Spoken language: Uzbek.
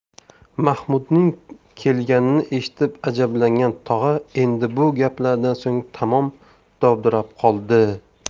mahmudning kelganini eshitib ajablangan tog'a endi bu gaplardan so'ng tamom dovdirab qoldi